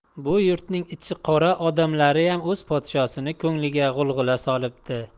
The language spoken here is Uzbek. bu yurtning ichiqora odamlariyam o'z podshosini ko'ngliga g'ulg'ula solibdi